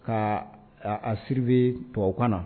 Ka a surveiller tɔbabu kan na.